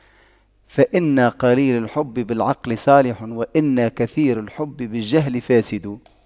فإن قليل الحب بالعقل صالح وإن كثير الحب بالجهل فاسد